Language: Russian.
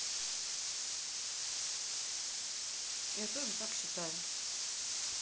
я тоже так считаю